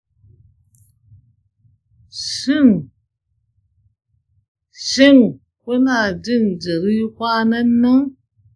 shin kuna jin jiri kwanan nan?